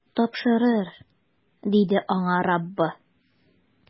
Тапшырыр, - диде аңа Раббы.